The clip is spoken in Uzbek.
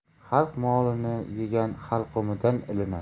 xalq molini yegan halqumidan ilinar